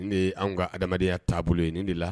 N de ye an ka adamadenya taabolo bolo ye nin de la